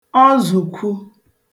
ọzụ̀kwu